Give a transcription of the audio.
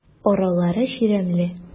Аралары чирәмле.